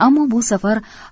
ammo bu safar